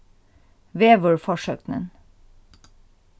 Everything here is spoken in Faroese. veðurforsøgnin